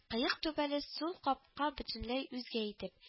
Кыек түбәле сул капка төбе бөтенләй үзгә итеп